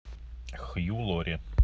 хью лори